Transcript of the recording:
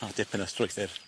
Ma'n dipyn o strwythur.